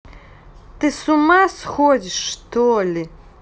ты с ума сходишь что ли